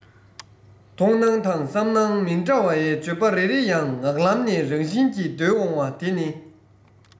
མཐོང སྣང དང བསམ སྣང མི འདྲ བའི བརྗོད པ རེ རེ ཡང ངག ལམ ནས རང བཞིན གྱིས བརྡོལ འོང བ དེ ནི